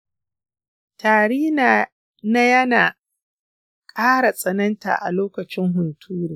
tari na yana ƙara tsananta a lokacin hunturu.